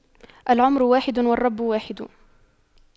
العمر واحد والرب واحد